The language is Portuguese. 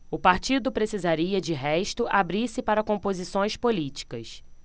o partido precisaria de resto abrir-se para composições políticas